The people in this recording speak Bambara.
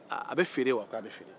aaa a bɛ feere wa a k'a bɛ feere